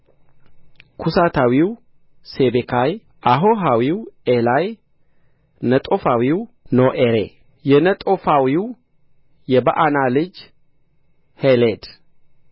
ኩሳታዊው ሴቤካይ አሆሃዊው ዔላይ ነጦፋዊው ኖኤሬ የነጦፋዊው የበዓና ልጅ ሔሌድ